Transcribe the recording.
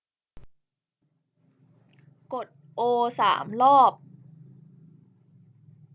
กดโอสามรอบ